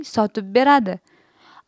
sotib beradi